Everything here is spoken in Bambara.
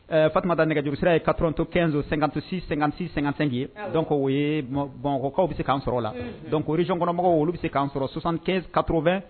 Fa nɛgɛurusisira ye ka dɔrɔntɔ kɛnso sensisɛsisɛ-sɛgin dɔnku ye bɔn bɔnkɔkaw bɛ se k'an sɔrɔ la dɔnkucriykɔrɔmɔgɔw olu bɛ se k' sɔrɔ sonsankɛ katorobɛn